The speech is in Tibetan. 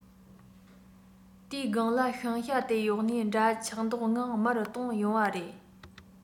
དེའི སྒང ལ ཕྱིང ཞྭ དེ གཡོག ནས འདྲ ཆགས མདོག ངང མར དོན ཡོང བ རེད